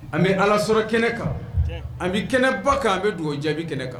An bɛ alasɔrɔ kɛnɛ kan an bɛ kɛnɛ ba kan an bɛ dugawu jaabi kɛnɛ kan